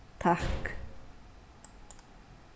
takk